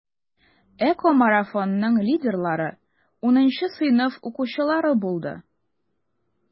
ЭКОмарафонның лидерлары 10 сыйныф укучылары булды.